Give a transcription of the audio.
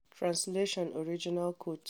Translation Original Quote